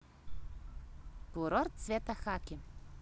курорт цвета хаки